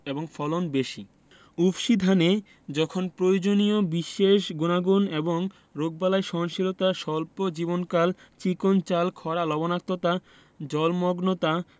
এবং ফলন বেশি উফশী ধানে যখন প্রয়োজনীয় বিশেষ গুনাগুণ যেমন রোগবালাই সহনশীলতা স্বল্প জীবনকাল চিকন চাল খরা লবনাক্ততা জলমগ্নতা